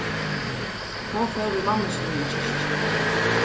hon fór við mammu síni í kirkju